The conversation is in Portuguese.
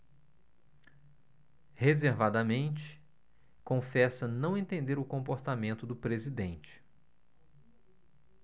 reservadamente confessa não entender o comportamento do presidente